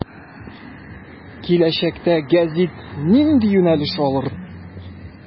Киләчәктә гәзит нинди юнәлеш алыр.